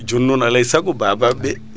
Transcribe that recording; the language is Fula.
jonnon aley saago babaɓeɓe